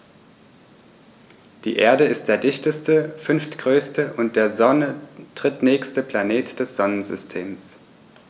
Die Erde ist der dichteste, fünftgrößte und der Sonne drittnächste Planet des Sonnensystems.